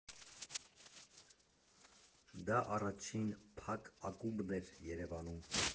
Դա առաջին փակ ակումբն էր Երևանում։